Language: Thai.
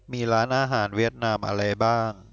มีร้านอาหารเวียดนามอะไรบ้าง